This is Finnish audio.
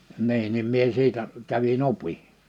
niin niin minä siitä kävin opin